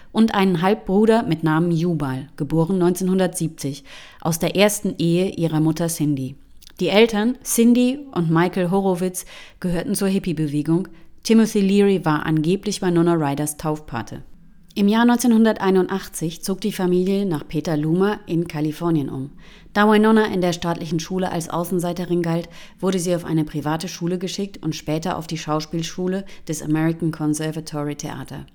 und einen Halbbruder mit Namen Jubal (* 1970) aus der ersten Ehe ihrer Mutter Cindy. Die Eltern, Cindy und Michael Horowitz, gehörten zur Hippiebewegung. Timothy Leary war angeblich Winona Ryders Taufpate. Im Jahr 1981 zog die Familie nach Petaluma in Kalifornien um. Da Winona in der staatlichen Schule als Außenseiterin galt, wurde sie auf eine private Schule geschickt und später auf die Schauspielschule des American Conservatory Theater